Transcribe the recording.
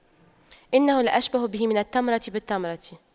إنه لأشبه به من التمرة بالتمرة